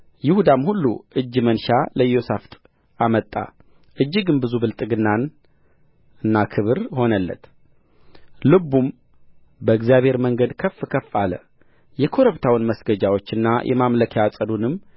ይሁዳም ሁሉ እጅ መንሻ ለኢዮሳፍጥ አመጣ እጅግም ብዙ ብልጥግናና ክብር ሆነለት ልቡም በእግዚአብሔር መንገድ ከፍ ከፍ አለ የኮረብታውን መስገጃዎችና የማምለኪያ ዐፀዱንም